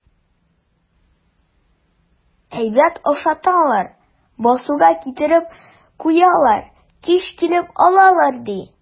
Әйбәт ашаталар, басуга китереп куялар, кич килеп алалар, ди.